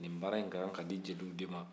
nin baara in ka kan ka di jeliw de ma